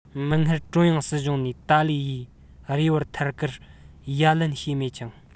མིག སྔར ཀྲུང དབྱང སྲིད གཞུང ནས ཏཱ ལའི ཡི རེ བར ཐད ཀར ཡ ལན བྱས མེད ཅིང